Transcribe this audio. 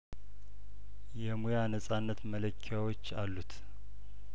የሙያ ነጻነት መለኪያዎች አሉት